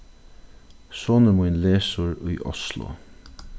sonur mín lesur í oslo